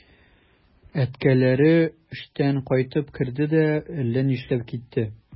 Әткәләре эштән кайтып керде дә әллә нишләп китте.